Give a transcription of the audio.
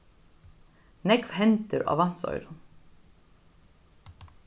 nógv hendir á vatnsoyrum